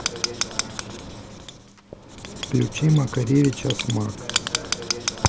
включи макаревича смак